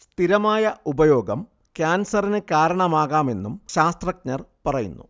സ്ഥിരമായ ഉപയോഗം കാൻസറിന് കാരണമാകാമെന്നും ശാസ്ത്രജഞർ പറയുന്നു